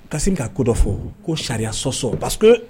Ka sen ka ko dɔ fɔ ko charia sɔsɔ parce que